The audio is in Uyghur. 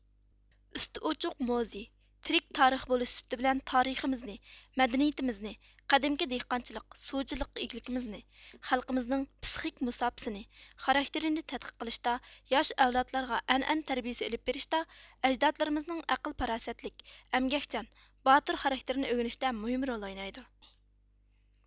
ئۈستى ئۇچۇق موزىي تىرىك تارىخ بولۇش سۈپىتى بىلەن تارىخىمىزنى مەدەنىيىتىمىزنى قەدىمكى دېھقانچىلىق سۇچىلىق ئىگىلىكىمىزنى خەلقىمىزنىڭ پىسخىك مۇساپىسىنى خاراكتىرنى تەتقىق قىلىشتا ياش ئەۋلادلارغا ئەنئەنە تەربىيىسى ئېلىپ بېرىشتا ئەجدادلىرىمىزنىڭ ئەقىل پاراسەتلىك ئەمگەكچان باتۇر خاراكتېرىنى ئۆگىنىشىتە مۇھىم رول ئوينايدۇ